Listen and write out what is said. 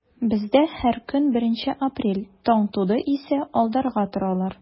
Бездә һәр көн беренче апрель, таң туды исә алдарга торалар.